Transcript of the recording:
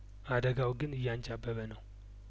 አደጋው ግን እያነጃ በበነው